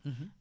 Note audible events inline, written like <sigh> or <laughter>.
<hesitation> <hesitation>